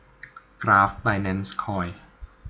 กราฟไบแนนซ์คอย